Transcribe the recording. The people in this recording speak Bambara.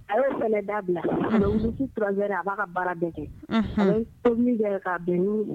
A ye sɛnɛlɛ da bila mɛ wɛrɛ a b'a ka baara bɛɛ kɛ min ka bɛn